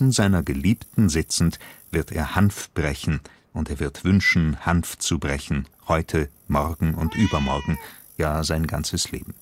seiner Geliebten sitzend, wird er Hanf brechen, und er wird wünschen Hanf zu brechen, heute, morgen und übermorgen, ja, sein ganzes Leben